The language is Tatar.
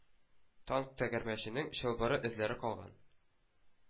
Танк тәгәрмәченең чылбыры эзләре калган